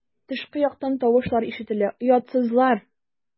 Тышкы яктан тавышлар ишетелә: "Оятсызлар!"